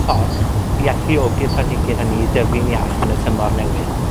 fforch, i alluogi'r planhigyn hynny i dyfi'n iach yn y tymor newydd.